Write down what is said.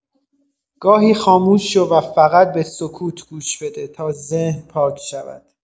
گاهی خاموش شو و فقط به سکوت گوش بده تا ذهن پاک شود.